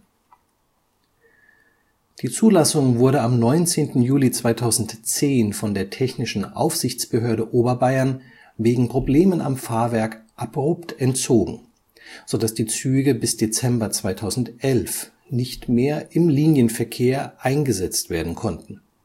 Zulassung wurde am 19. Juli 2010 von der Technischen Aufsichtsbehörde Oberbayern wegen Problemen am Fahrwerk abrupt entzogen, so dass die Züge bis Dezember 2011 nicht mehr im Linienverkehr eingesetzt werden konnten